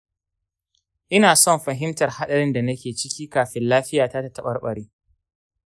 ina son fahimtar haɗarin da nake ciki kafin lafiyata ta taɓarɓare.